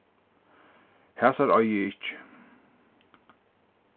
hasar eigi eg ikki